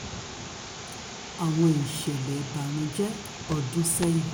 Àwọn ìṣẹ̀lẹ̀ ìbànújẹ́ ọdún sẹ́yìn